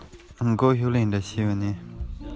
ས རུ གཤེར གཟུགས ཤིག